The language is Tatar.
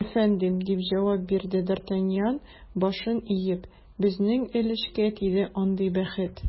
Әйе, әфәндем, - дип җавап бирде д’Артаньян, башын иеп, - безнең өлешкә тиде андый бәхет.